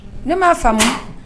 Ne m'a faamu